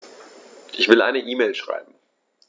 Ich will eine E-Mail schreiben.